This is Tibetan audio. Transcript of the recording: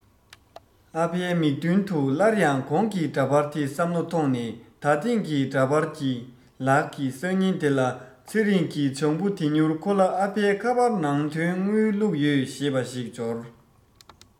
ཨ ཕའི མིག མདུན དུ སླར ཡང གོང གི འདྲ པར དེ བསམ བློ ཐོངས ནས ད ཐེངས ཀྱི འདྲ པར གྱི ལག གི སང ཉིན དེ ལ ཚེ རིང གི བྱང བུའི དེ མྱུར ཁོ ལ ཨ ཕའི ཁ པར ནང དོན དངུལ བླུག ཡོད ཞེས པ ཞིག འབྱོར